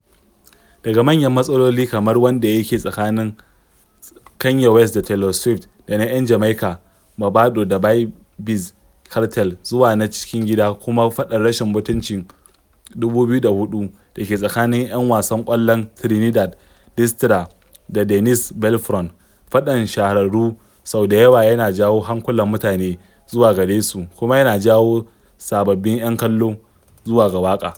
Daga manyan matsaloli kamar wanda yake tsakanin Kanye West da Taylor Swift da na 'yan Jamaica Maɓado da ɓybz Kartel, zuwa na cikin gida kuma faɗan rashin mutunci 2004 da ke tsakanin 'yan wasan ƙwallon Trinidad Dstra da Denise Belfon, faɗan shahararru sau da yawa yana jawo hankulan mutane zuwa gare su kuma yana jawo sababbin 'yan kallo zuwa ga waƙa.